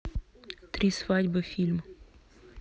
три свадьбы фильм